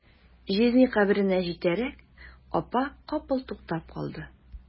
Җизни каберенә җитәрәк, апа капыл туктап калды.